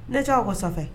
Nec kɔ sanfɛ